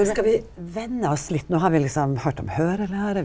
skal vi venda oss litt, no har vi liksom høyrt om høyrelære.